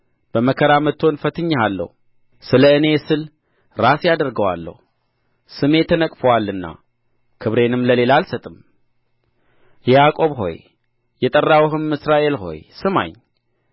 በመከራም እቶን ፈትኜሃለሁ ስለ እኔ ስለ ራሴ አደርገዋለሁ ስሜ ተነቅፎአልና ክብሬንም ለሌላ አልሰጥም ያዕቆብ ሆይ የጠራሁህም እስራኤል ሆይ ስማኝ